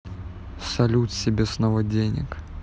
салют себе снова денег